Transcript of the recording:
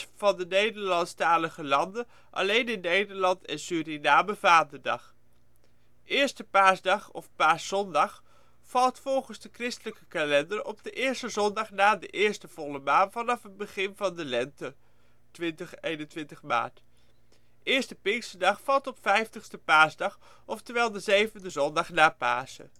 van de Nederlandstalige landen alleen in Nederland en Suriname, vaderdag. Eerste Paasdag of Paaszondag valt volgens de christelijke kalender op de eerste zondag na de eerste volle maan vanaf het begin van de lente (20/21 maart). Eerste Pinksterdag valt op vijftigste paasdag, oftewel de zevende zondag na Pasen